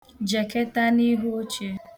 Jeketa n'ihu oche.